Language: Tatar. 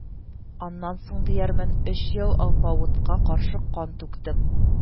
Аннан соң, диярмен, өч ел алпавытка каршы кан түктем